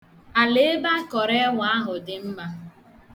Ala ebe a kọrọ ẹwa ahụ dị mma.